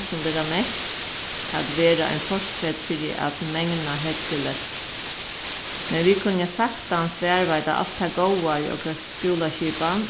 sum verða mett at vera ein fortreyt fyri at megna hægri lestur men vit kunna saktans varðveita alt tað góða í okra skúlaskipan